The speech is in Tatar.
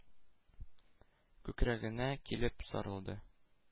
Күкрәгенә килеп сарылды.—